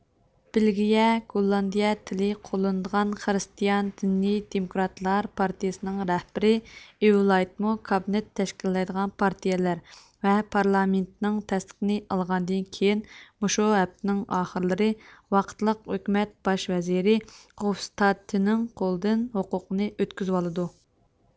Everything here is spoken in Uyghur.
بېلگىيە گوللاندىيە تىلى قوللىنىدىغان خىرىستىئان دىنى دېموكراتلار پارتىيىسىنىڭ رەھبىرى ئېۋلايتمۇ كابىنېت تەشكىللەيدىغان پارتىيىلەر ۋە پارلامېنتىنىڭ تەستىقىنى ئالغاندىن كېيىن مۇشۇ ھەپتىنىڭ ئاخىرلىرى ۋاقىتلىق ھۆكۈمەت باش ۋەزىرى خوفستادتنىڭ قولىدىن ھوقۇقنى ئۆتكۈزۈۋالىدۇ